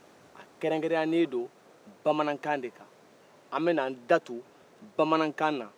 a kɛrɛnkɛrɛnyalen do bamanankan de kan an bɛ na an da don bamanankan na